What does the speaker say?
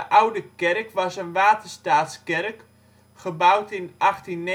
oude kerk was een Waterstaatskerk, gebouwd in 1829. In